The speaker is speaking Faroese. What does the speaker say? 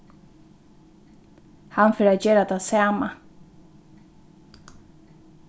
hann fer at gera tað sama